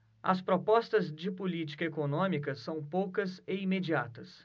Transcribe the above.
as propostas de política econômica são poucas e imediatas